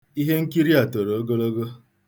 Ihenkiri a toro ogologo.